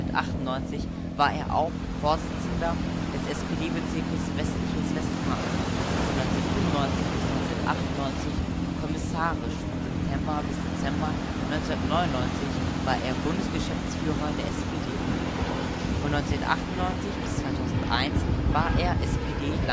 1998 war er auch Vorsitzender des SPD-Bezirkes Westliches Westfalen. Von 1995 bis 1998 und kommissarisch von September bis Dezember 1999 war er Bundesgeschäftsführer der SPD. Von 1998 bis 2001 war er SPD-Landesvorsitzender